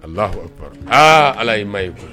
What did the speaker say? Alah aa ala ye maa ye bolo